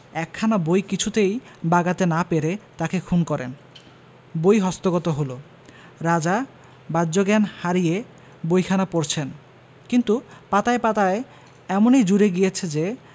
একখানা বই কিছুতেই বাগাতে না পেরে তাঁকে খুন করেন বই হস্তগত হল রাজা বাহ্যজ্ঞান হারিয়ে বইখানা পড়ছেন কিন্তু পাতায় পাতায় এমনি জুড়ে গিয়েছে যে